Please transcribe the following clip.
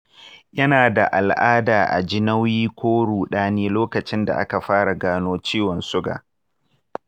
yana da al’ada a ji nauyi ko ruɗani lokacin da aka fara gano ciwon suga.